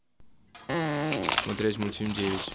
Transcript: смотреть мультфильм девять